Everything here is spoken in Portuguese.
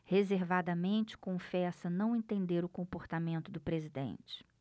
reservadamente confessa não entender o comportamento do presidente